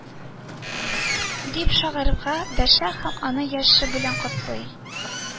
Дип шагыйрьгә дәшә һәм аны яше белән котлый